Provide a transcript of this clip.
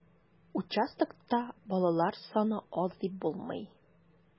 Участокта балалар саны аз дип булмый.